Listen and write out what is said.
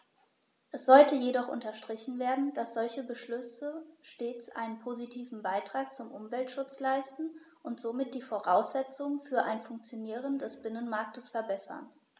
Es sollte jedoch unterstrichen werden, dass solche Beschlüsse stets einen positiven Beitrag zum Umweltschutz leisten und somit die Voraussetzungen für ein Funktionieren des Binnenmarktes verbessern.